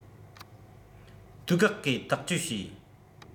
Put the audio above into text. དུས བཀག གིས དག བཅོས བྱས